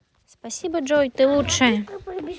спасибо джой ты лучшая